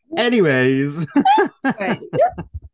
Anyways